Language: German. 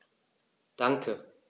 Danke.